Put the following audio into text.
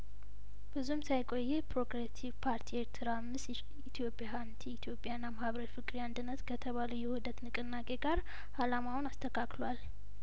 ብዙም ሳይቆይ ይህ ፕሮግሬሲቭ ፓርቲ ኤርትራም ስሽ ኢትዮጵያ ሀንቲ ኢትዮጵያና ማህበር ፍቅሪ አንድነት ከተባለው የውህደት ንቅናቄ ጋር አላማውን አስተካክሏል